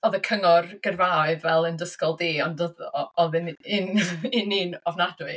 Oedd y cyngor gyrfaoedd fel yn dy ysgol di ond oedd o- oedd un ni un ni'n ofnadwy.